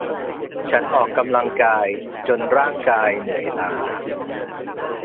ฉันออกกำลังกายจนร่างกายเหนื่อยล้า